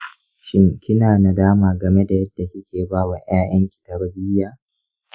shin kina nadama game da yadda kike ba wa 'ya'yanki tarbiyya?